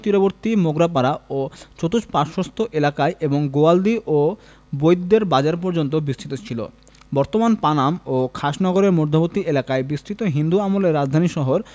তীরবর্তী মোগরাপাড়া ও এর চতুষ্পার্শ্বস্থ এলাকায় এবং গোয়ালদি ও বৈদ্যের বাজার পর্যন্ত বিস্তৃত ছিল বর্তমান পানাম ও খাসনগরের মধ্যবর্তী এলাকায় বিস্তৃত হিন্দু আমলের রাজধানী শহর